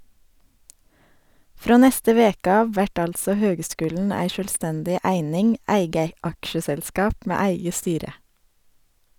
Frå neste veke av vert altså høgskulen ei sjølvstendig eining, eige aksjeselskap med eige styre.